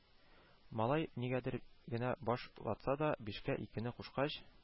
Малай никадәр генә баш ватса да, бишкә икене кушкач